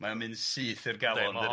Mae'n mynd syth i'r galon dydi?